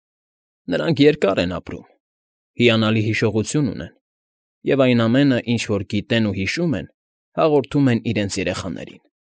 Նրանք երկար են ապրում, հիանալի հիշողություն ունեն և այն ամենը, ինչ֊որ գիտեն ու հիշում են, հաղորդում են իրենց երեխաներին։